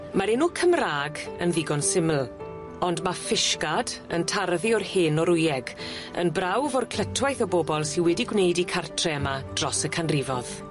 Ma'r enw Cymra'g yn ddigon syml, ond ma' Fishguard yn tarddu o'r hen Norwyeg yn brawf o'r clytwaith o bobol sy wedi gwneud 'u cartre yma dros y canrifodd.